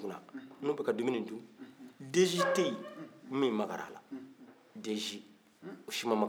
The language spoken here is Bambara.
den si u si ma maga bololanɛgɛ in na